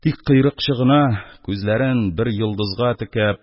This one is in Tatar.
Тик койрыкчы гына, күзләрен бер йолдызга текәп,